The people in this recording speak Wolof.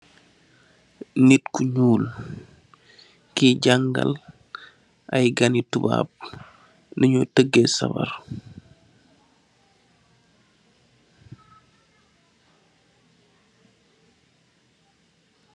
Nit ku ñuul kui jangal ay ganni tubab ni ñuy tangèh sabarr.